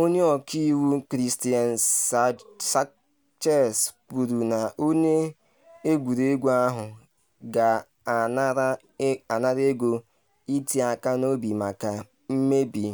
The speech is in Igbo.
Onye ọka iwu Christian Schertz kwuru na onye egwuregwu ahụ ga-anara ego iti aka n’obi maka “ mmebi